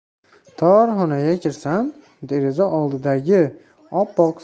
tor xonaga kirsam deraza oldidagi oppoq